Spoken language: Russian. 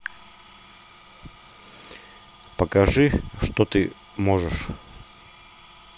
покажи что ты можешь